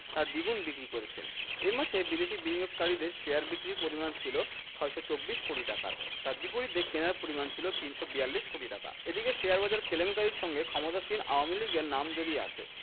তার দ্বিগুণ বিক্রি করেছেন এ মাসে বিদেশি বিনিয়োগকারীদের শেয়ার বিক্রির পরিমাণ ছিল ৬২৪ কোটি টাকার তার বিপরীতে কেনার পরিমাণ ছিল ৩৪২ কোটি টাকা এদিকে শেয়ারবাজার কেলেঙ্কারির সঙ্গে ক্ষমতাসীন আওয়ামী লীগের নাম জড়িয়ে আছে